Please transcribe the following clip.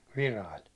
Virailla